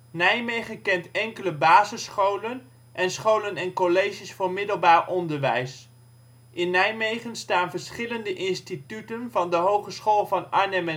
Nijmegen kent enkele basisscholen en scholen en colleges voor middelbaar onderwijs. In Nijmegen staan verschillende instituten van de Hogeschool van Arnhem